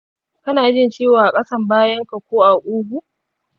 kana jin ciwo a ƙasan bayanka ko a ƙugu?